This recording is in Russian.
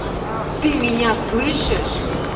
ты меня слышишь